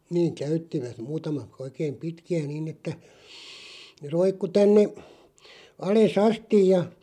niin käyttivät muutamat oikein pitkiä niin että ne roikkui tänne alas asti ja